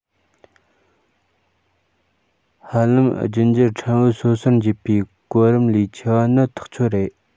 ཧ ལམ རྒྱུད འགྱུར ཕྲན བུ སོ སོར འབྱེད པའི གོམ རིམ ལས ཆེ བ ནི ཐག ཆོད རེད